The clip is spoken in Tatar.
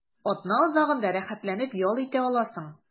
Атна азагында рәхәтләнеп ял итә аласың.